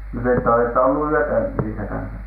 no te olette ollut yötä niissä kanssa